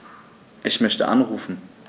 Ich möchte anrufen.